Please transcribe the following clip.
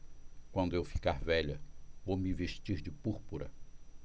quando eu ficar velha vou me vestir de púrpura